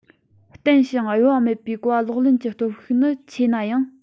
བརྟན ཞིང གཡོ བ མེད པའི གོ བ ལོག ལེན གྱི སྟོབས ཤུགས ནི ཆེ ནའང